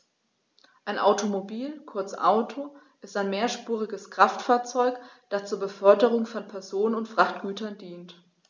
Ein Automobil, kurz Auto, ist ein mehrspuriges Kraftfahrzeug, das zur Beförderung von Personen und Frachtgütern dient.